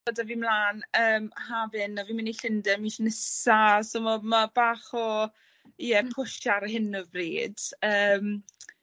pethe 'da fi mlan yym haf hyn a fi'n myn' i Llunden mish nisa so ma' ma' bach o ie push ar hyn o fryd yym.